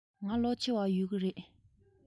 ང ལོ ཆེ བ ཡོད ཀྱི རེད